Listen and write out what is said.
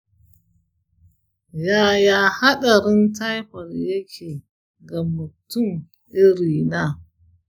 yaya haɗarin taifoid yake ga mutum irina?